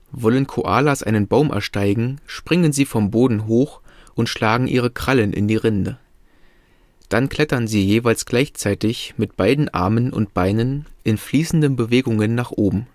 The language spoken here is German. Wollen Koalas einen Baum ersteigen, springen sie vom Boden hoch und schlagen ihre Krallen in die Rinde. Dann klettern sie jeweils gleichzeitig mit beiden Armen und Beinen in fließenden Bewegungen nach oben